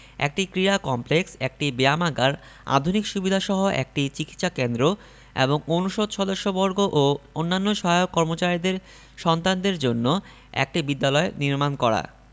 একটি ক্রীড়া কমপ্লেক্স একটি ব্যায়ামাগার আধুনিক সুবিধাসহ একটি চিকিৎসা কেন্দ্র এবং অনুষদ সদস্যবর্গ ও অন্যান্য সহায়ক কর্মচারীদের সন্তানদের জন্য একটি বিদ্যালয় নির্মাণ করা